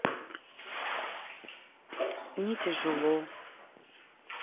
не тяжело